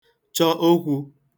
chọ okwū